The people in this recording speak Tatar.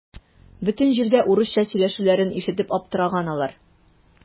Бөтен җирдә урысча сөйләшүләрен ишетеп аптыраган алар.